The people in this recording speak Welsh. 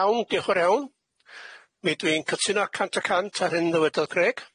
Iawn diolch o'r iawn mi dwi'n cytuno cant y cant â hyn ddywedodd Greg.